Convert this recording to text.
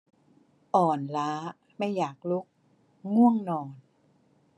อ่อนล้าไม่อยากลุกง่วงนอน